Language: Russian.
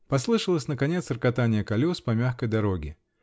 Послышалось наконец рокотание колес по мягкой дороге.